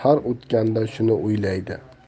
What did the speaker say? har o'tganida shuni o'ylaydi